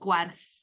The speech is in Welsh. gwerth